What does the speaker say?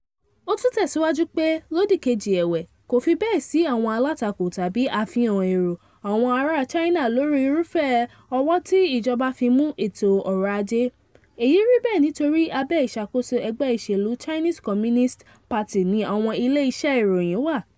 "Ó tún tẹ̀síwájú pé “Lódì kejì ẹ̀wẹ̀, kò fi bẹ́ẹ̀ sí àwọn alátakò tàbí ààfihàn èrò àwọn ará China lórí irúfẹ́ ọwọ́ ti ìjọba fi mú ètò ọrọ̀ ajé. Èyí rí bẹ́ẹ̀ nítorí abẹ́ ìṣàkóso ẹgbẹ́ ìṣèlú Chinese Communist Party ni àwọn ilé iṣẹ́ ìròyìn wà.